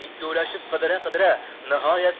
ikkovlashib qidira qidira nihoyat